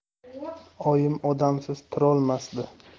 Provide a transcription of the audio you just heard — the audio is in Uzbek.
oyim odamsiz turolmasdi